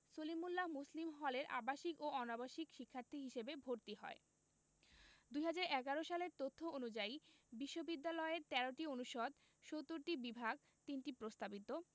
সলিমুল্লাহ মুসলিম হলের আবাসিক ও অনাবাসিক শিক্ষার্থী হিসেবে ভর্তি হয় ২০১১ সালের তথ্য অনুযায়ী বিশ্ববিদ্যালয়ে ১৩টি অনুষদ ৭০টি বিভাগ ৩টি প্রস্তাবিত